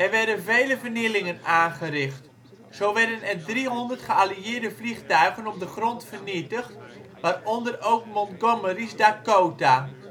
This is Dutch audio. werden vele vernielingen aangericht. Zo werden er driehonderd geallieerde vliegtuigen op de grond vernietigd, waaronder ook Montgomery’ s Dakota